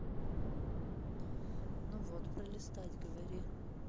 ну вот пролистать говори